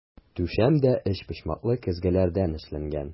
Түшәм дә өчпочмаклы көзгеләрдән эшләнгән.